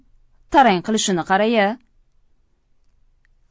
tarang qilishini qara yu